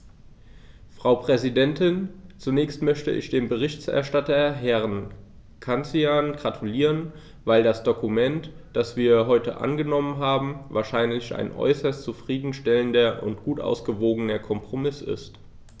Frau Präsidentin, zunächst möchte ich dem Berichterstatter Herrn Cancian gratulieren, weil das Dokument, das wir heute angenommen haben, wahrlich ein äußerst zufrieden stellender und gut ausgewogener Kompromiss ist.